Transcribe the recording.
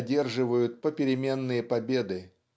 одерживают попеременные победы.